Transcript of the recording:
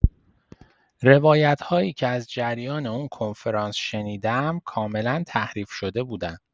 روایت‌هایی که از جریان اون کنفرانس شنیدم، کاملا تحریف‌شده بودن.